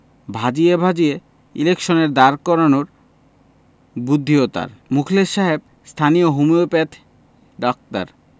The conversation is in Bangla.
ভাজিয়ে ভাজিয়ে ইলেকশনে দাঁড় করানোর বুদ্ধিও তাঁর মুখলেস সাহেব স্থানীয় হোমিওপ্যাথ ডাক্তার